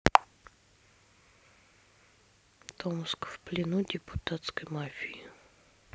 томск в плену депутатской мафии